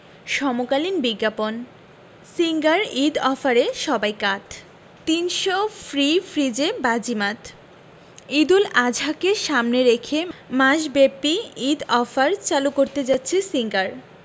সমকালীন বিজ্ঞাপন সিঙ্গার ঈদ অফারে সবাই কাত ৩০০ ফ্রি ফ্রিজে বাজিমাত ঈদুল আজহাকে সামনে রেখে মাসব্যাপী ঈদ অফার চালু করতে যাচ্ছে সিঙ্গার